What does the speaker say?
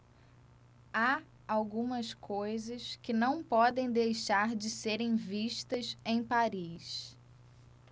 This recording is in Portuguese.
há algumas coisas que não podem deixar de serem vistas em paris